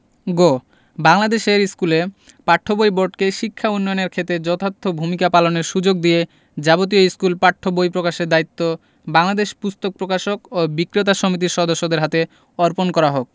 গ বাংলাদেশের স্কুলে পাঠ্য বই বোর্ডকে শিক্ষা উন্নয়নের ক্ষেত্রে যথার্থ ভূমিকা পালনের সুযোগ দিয়ে যাবতীয় স্কুল পাঠ্য বই প্রকাশের দায়িত্ব বাংলাদেশ পুস্তক প্রকাশক ও বিক্রেতা সমিতির সদস্যদের হাতে অর্পণ করা হোক